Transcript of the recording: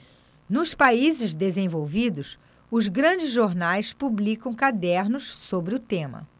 nos países desenvolvidos os grandes jornais publicam cadernos sobre o tema